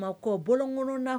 Bamakɔ bɔlɔnkɔnɔ na